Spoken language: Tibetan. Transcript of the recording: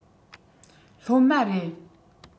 སློབ མ རེད